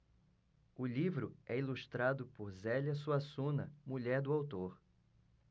o livro é ilustrado por zélia suassuna mulher do autor